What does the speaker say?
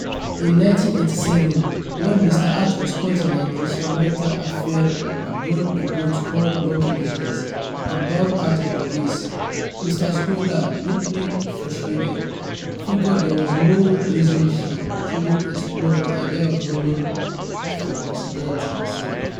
In 1987, when Mr. Hart was caught in an extramarital affair aboard a boat called Monkey Business and bowed out of the race, Ms. Schroeder, deeply frustrated, figured there was no reason she shouldn't explore the idea of running for president herself.